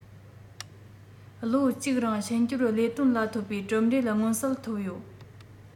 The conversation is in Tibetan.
ལོ གཅིག རིང ཤིན སྐྱོར ལས དོན ལ ཐོབ པའི གྲུབ འབྲས མངོན གསལ ཐོབ ཡོད